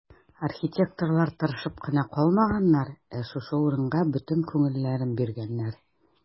Архитекторлар тырышып кына калмаганнар, ә шушы урынга бөтен күңелләрен биргәннәр.